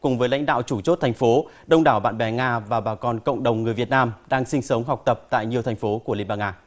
cùng với lãnh đạo chủ chốt thành phố đông đảo bạn bè nga và bà con cộng đồng người việt nam đang sinh sống học tập tại nhiều thành phố của liên bang nga